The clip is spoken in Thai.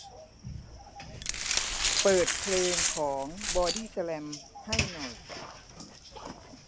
เปิดเพลงของบอดี้สแลมให้หน่อย